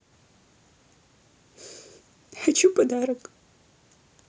хочу подарок